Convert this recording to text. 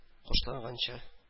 Хушланганчы